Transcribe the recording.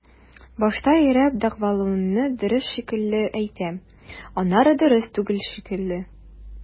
Башта ирек дәгъвалауны дөрес шикелле әйтә, аннары дөрес түгел шикелле.